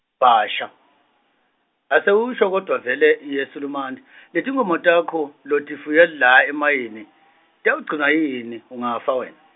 Bhasha , asewusho kodvwa vele yeSulumane , letinkhomo takho, lotifuye la emayini, tiyawugcinwa yini, ungafa wena?